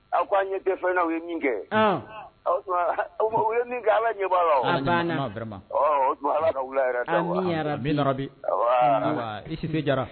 Aw ko an ɲɛ den aw ye min kɛ ye kɛ ala ɲɛ la yɛrɛ min bi i ne jara